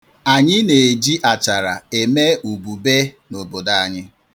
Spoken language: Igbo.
Anyị na-eji achara eme ubube n'obodo anyị.